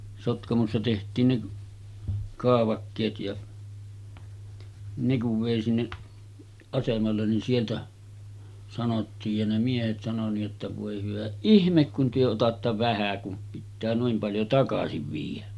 Sotkamossa tehtiin ne kaavakkeet ja ne kun vei sinne asemalle niin sieltä sanottiin ja ne miehet sanoi niin jotta voi hyvä ihme kun te otatte vähän kun pitää noin paljon takaisin viedä